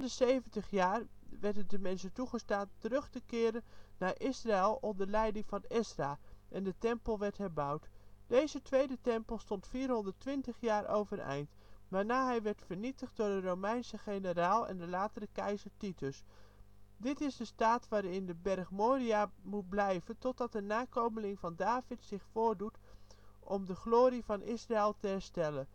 zeventig jaar werd het de mensen toegestaan terug te keren naar Israël onder leiding van Ezra, en de tempel werd herbouwd. Deze tweede tempel stond 420 jaar overeind, waarna hij werd vernietigd door de Romeinse generaal en latere keizer Titus. Dit is de staat waarin de berg Moriah moet blijven totdat een nakomeling van David zich voordoet om de glorie van Israël te herstellen